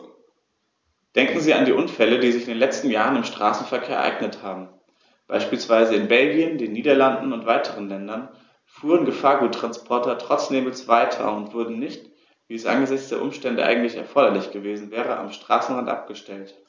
Denken Sie an die Unfälle, die sich in den letzten Jahren im Straßenverkehr ereignet haben. Beispielsweise in Belgien, den Niederlanden und weiteren Ländern fuhren Gefahrguttransporter trotz Nebels weiter und wurden nicht, wie es angesichts der Umstände eigentlich erforderlich gewesen wäre, am Straßenrand abgestellt.